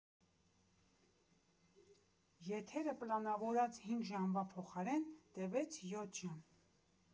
Եթերը պլանավորած հինգ ժամվա փոխարեն տևեց յոթ ժամ։